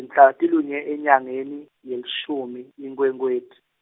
mhla lulunye enyangeni, yelishumi, iNkhwekhweti.